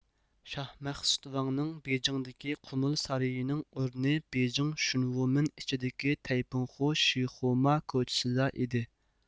شاھ مەخسۇت ۋاڭنىڭ بېيجىڭدىكى قۇمۇل سارىيى نىڭ ئورنى بېيجىڭ شۈنۋومىن ئىچىدىكى تەيپىڭخۇ شىخۇما كوچىسىدا ئىدى